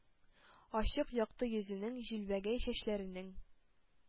Ачык, якты йөзенең, җилбәгәй чәчләренең,